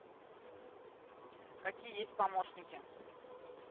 какие есть помощники